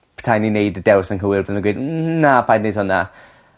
petai o'n i'n neud y dewis anghywir by' nw'n gweud na paid neud hwnna.